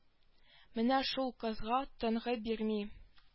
Менә шул кызга тынгы бирми